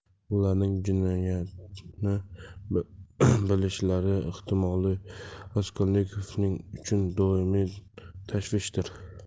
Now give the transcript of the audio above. ularning jinoyatni bilishlari ehtimoli raskolnikov uchun doimiy tashvishdir